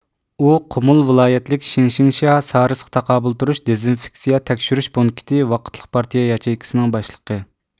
ئۇ قۇمۇل ۋىلايەتلىك شىڭشىڭشيا سارسقا تاقابىل تۇرۇش دېزىنفېكسىيە تەكشۈرۈش پونكىتى ۋاقىتلىق پارتىيە ياچېيكىسىنىڭ باشلىقى